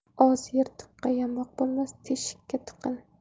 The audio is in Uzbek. oz yirtiqqa yamoq bo'lmas teshikka tiqin